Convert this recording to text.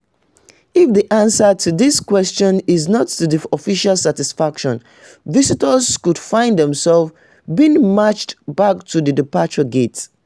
If the answer to this question isn’t to the official’s satisfaction, visitors could find themselves being marched back to the departure gate.